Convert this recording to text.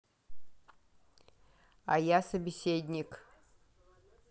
а я собеседник